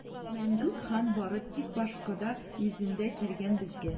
Мәңгүк хан бары тик башкода йөзендә килгән безгә!